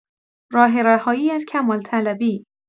راه رهایی از کمال‌طلبی